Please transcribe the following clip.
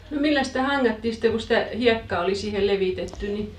no milläs sitä hangattiin sitten kun sitä hiekkaa oli siihen levitetty niin